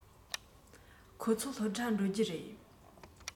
ཁོ ཚོ སློབ གྲྭར འགྲོ རྒྱུ རེད